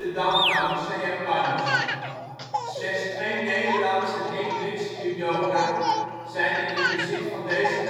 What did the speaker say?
danhouders zijn Japanners. Slechts twee Nederlandse en één Britse judoka zijn in het bezit van deze